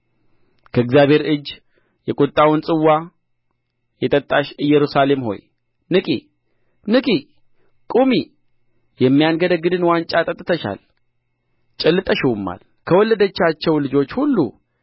ከእግዚአብሔር እጅ የቍጣውን ጽዋ የጠጣሽ ኢየሩሳሌም ሆይ ንቂ ንቂ ቁሚ የሚያንገደግድን ዋንጫ ጠጥተሻል ጨልጠሽውማል ከወለደቻቸው ልጆች ሁሉ